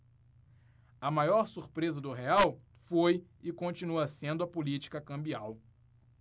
a maior surpresa do real foi e continua sendo a política cambial